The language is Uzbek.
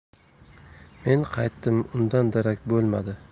men qaytdim undan darak bo'lmadi